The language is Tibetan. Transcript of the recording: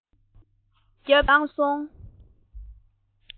བརྒྱབ སྟེ སླར ཡང ཡར ལངས སོང